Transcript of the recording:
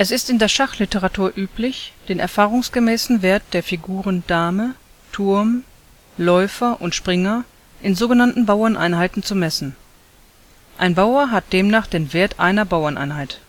ist in der Schachliteratur üblich, den erfahrungsgemäßen Wert der Figuren Dame, Turm, Läufer und Springer in so genannten Bauerneinheiten zu messen. Ein Bauer hat demnach den Wert einer Bauerneinheit